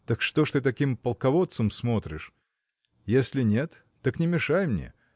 – Так что ж ты таким полководцем смотришь? Если нет так не мешай мне